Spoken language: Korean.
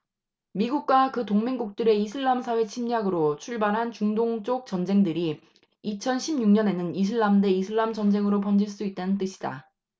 미국과 그 동맹국들의 이슬람사회 침략으로 출발한 중동 쪽 전쟁들이 이천 십 육 년에는 이슬람 대 이슬람 전쟁으로 번질 수도 있다는 뜻이다